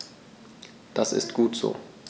Das ist gut so.